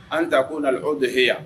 An ta ko na aw de h yan